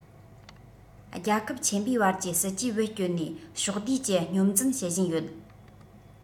རྒྱལ ཁབ ཆེན པོའི བར གྱི སྲིད ཇུས བེད སྤྱོད ནས ཕྱོགས བསྡུས ཀྱི སྙོམས འཛིན བྱེད བཞིན ཡོད